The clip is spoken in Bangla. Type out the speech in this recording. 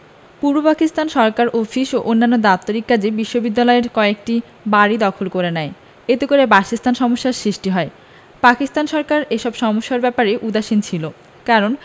পূর্ব পাকিস্তান সরকার অফিস ও অন্যান্য দাপ্তরিক কাজে বিশ্ববিদ্যালয়ের কয়েকটি বাড়ি দখল করে নেয় এতে করে বাসস্থান সমস্যার সৃষ্টি হয় পাকিস্তান সরকার এসব সমস্যার ব্যাপারে উদাসীন ছিল কারণ